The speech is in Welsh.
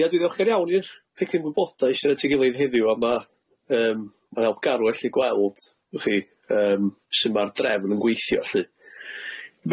Ia dwi'n ddiolgar iawn i'r pecyn gwybodaeth sy at i gilydd heddiw, a ma'n yym ma'n help garw allu gweld ychi sud ma'r drefn yn gwithio lly,